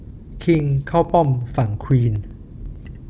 คิงเข้าป้อมฝั่งควีน